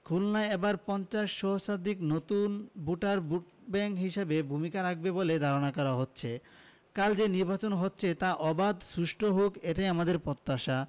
খুলনায় এবার ৫০ সহস্রাধিক নতুন ভোটার ভোটব্যাংক হিসেবে ভূমিকা রাখবে বলে ধারণা করা হচ্ছে কাল যে নির্বাচন হতে যাচ্ছে তা অবাধ সুষ্ঠু হোক এটাই আমাদের প্রত্যাশা